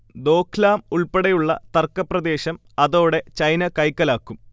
ദോഘ്ലാം ഉൾപ്പെടെയുള്ള തർക്കപ്രദേശം അതോടെ ചൈന കൈക്കലാക്കും